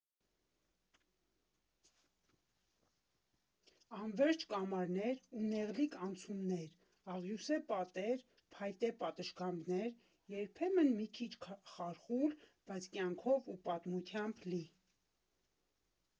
Անվերջ կամարներ ու նեղլիկ անցումներ, աղյուսե պատեր, փայտե պատշգամբներ, երբեմն մի քիչ խարխուլ, բայց կյանքով ու պատմությամբ լի։